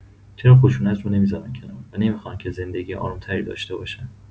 چرا خشونت رو نمی‌ذارن کنار و نمی‌خوان که زندگی آروم‌تری داشته باشن؟